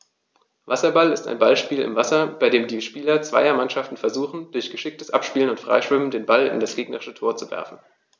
Wasserball ist ein Ballspiel im Wasser, bei dem die Spieler zweier Mannschaften versuchen, durch geschicktes Abspielen und Freischwimmen den Ball in das gegnerische Tor zu werfen.